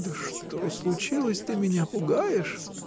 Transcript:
— Да что случилось — ты меня пугаешь.